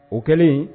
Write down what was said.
O kɛlen